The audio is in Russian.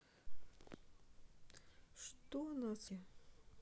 что нас ждет на том свете